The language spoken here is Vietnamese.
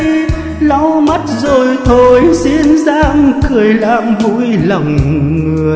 lau mắt rồi thôi xin gắng cười làm vui lòng người